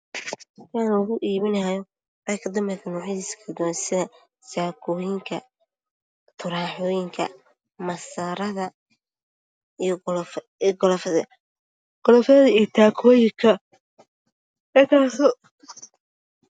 Waa tukaan lugu iibinaayo dharka dumarka nuucyadiisa kala duwan sida saakooyinka, taraaxadaha, masarada, galoofisyada iyo taakooyinka.